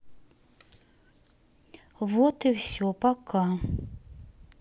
вот и все пока